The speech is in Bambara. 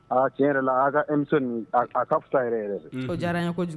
Aa tiɲɛ yɛrɛ la émisssion nin a ka fisa yɛrɛ yɛrɛ, o diyara an ye kojugu